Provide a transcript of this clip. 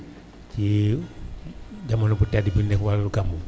ci jamono bu tedd bi ñu nekk muy wàllu gàmmu